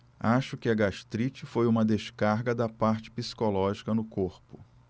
acho que a gastrite foi uma descarga da parte psicológica no corpo